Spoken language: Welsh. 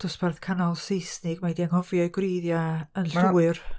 Dosbarth canol Seisnig, mae 'di anghofio ei gwreiddiau yn llwyr.